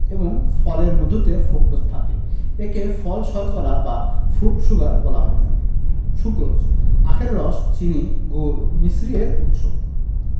এবং ফুলের মধুতে ফ্রুকটোজ থাকে একে ফল শর্করা বা ফ্রুট শুগার বলা হয়ে থাকে সুক্রোজ আখের রস চিনি গুড় মিছরি এর উৎস